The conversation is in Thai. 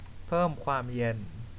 เพิ่มความเย็น